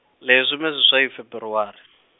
lesomeseswai Feberware.